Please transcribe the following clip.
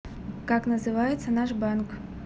как называется наш банк